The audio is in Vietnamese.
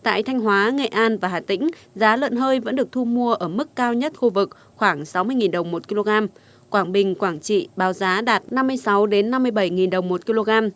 tại thanh hóa nghệ an và hà tĩnh giá lợn hơi vẫn được thu mua ở mức cao nhất khu vực khoảng sáu mươi nghìn đồng một ki lô gam quảng bình quảng trị báo giá đạt năm mươi sáu đến năm mươi bảy nghìn đồng một ki lô gam